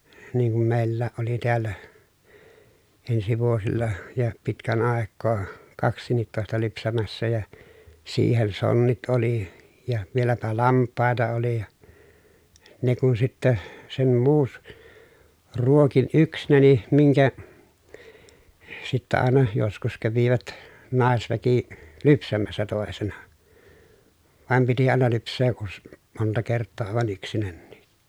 niin kun meilläkin oli täällä ensi vuosilla ja pitkän aikaa kaksikintoista lypsämässä ja siihen sonnit oli ja vieläpä lampaita oli ja ne kun sitten sen - ruokin yksinäni minkä sitten aina joskus kävivät naisväki lypsämässä toisena vaan piti aina lypsää - monta kertaa aivan yksinänikin